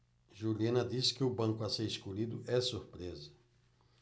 juliana disse que o banco a ser escolhido é surpresa